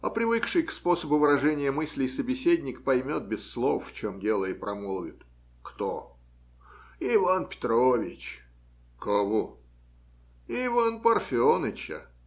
А привыкший к способу выражения мыслей собеседник поймет без слов, в чем дело, и промолвит - Кто? - Иван Петрович! - Кого? - Ивана Парфеныча.